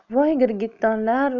voy girgittonlar